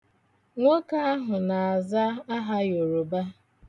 Nwoke ahụ na-aza aha Yoroba.